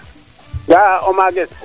ga'a o maages